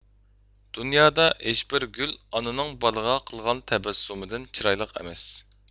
دۇنيادا ھېچبىر گۈل ئانىنىڭ بالىغا قىلغان تەبەسسۇمىدىن چىرايلىق ئەمەس